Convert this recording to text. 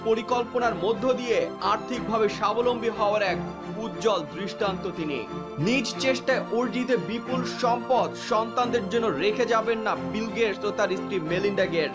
পরিকল্পনার মধ্য দিয়ে আর্থিকভাবে স্বাবলম্বী হওয়ার এক উজ্জ্বল দৃষ্টান্ত তিনি নিজ চেষ্টায় অর্জিত বিপুল সম্পদ সন্তানদের জন্য রেখে যাবেন না বিল গেটস ও তার স্ত্রী মেলিন্ডা গেটস